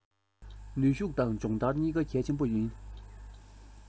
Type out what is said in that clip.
ནུས ཤུག དང སྦྱོང ལྟར གཉིས ཀ གལ ཆེན པོ ཡིན